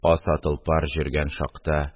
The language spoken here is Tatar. Аса толпар җөргән шакта